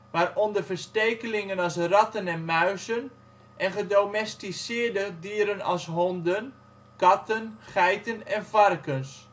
waaronder verstekelingen als ratten en muizen en gedomesticeerde dieren als honden, katten, geiten en varkens